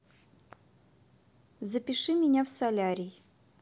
запиши меня в солярий